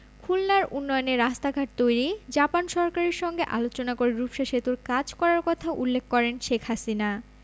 খুলনার উন্নয়নে রাস্তাঘাট তৈরি জাপান সরকারের সঙ্গে আলোচনা করে রূপসা সেতুর কাজ করার কথা উল্লেখ করেন শেখ হাসিনা